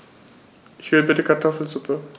Ich will bitte Kartoffelsuppe.